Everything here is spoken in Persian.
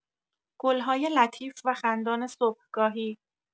گل‌های لطیف و خندان صبحگاهی